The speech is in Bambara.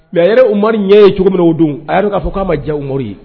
Mais a yɛrɛ ye Umaru ɲɛ ye cogominna o don a dɔn k'a fɔ k'a ma diya Umaru ye